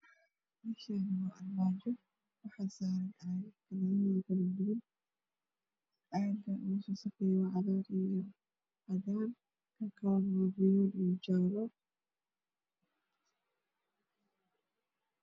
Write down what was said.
Meshani waa armaajo waxsaran cagag kalaradodo kaldugan caga usosukeyo waa cagar io cadan kankale waa baluug io jale